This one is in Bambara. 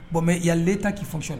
Bɔn yan le ta k'i fɔsi la